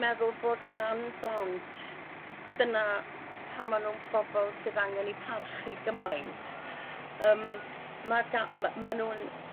meddwl bod gan blant... A dyna pan ma' nw'n bobol sydd angen 'u parchu gymaint yym ma' ga- ma' ma' nw'n...